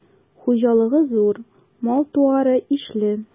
Хуҗалыгы зур, мал-туары ишле.